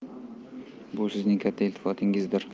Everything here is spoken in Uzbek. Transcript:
bu sizning katta iltifotingizdir